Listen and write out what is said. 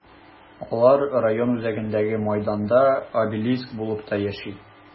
Алар район үзәгендәге мәйданда обелиск булып та яши.